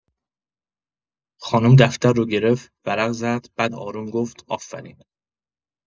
خانم دفتر رو گرفت، ورق زد، بعد آروم گفت: «آفرین!»